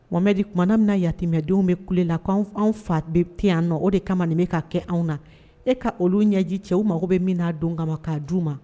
Wamɛ de tumaumana min na yadimɛdenw bɛ kule la k'an anw fa bɛ pe yan nɔ o de kama nin bɛ ka kɛ anw na e ka olu ɲɛji cɛw mago bɛ min n'a don kama ka d u ma